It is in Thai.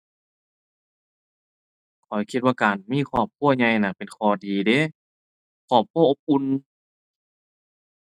ข้อยคิดว่าการมีครอบครัวใหญ่น่ะ เป็นข้อดีเดะ ครอบครัวอบอุ่น